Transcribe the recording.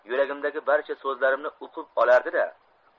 yuragimdagi barcha so'zlarimni uqib olardida